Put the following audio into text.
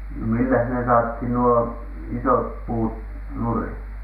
no millä ne saatiin nuo isot puut nurin